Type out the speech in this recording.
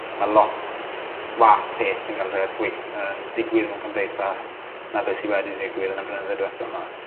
Ma' lot gwath peth yn galler gweith- yym digwydd mewn cymdeithas na be' sy' wedi digwydd yn y blynydde dwetha 'ma.